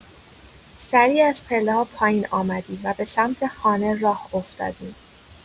سریع از پله‌ها پایین آمدیم و به سمت خانه راه افتادیم.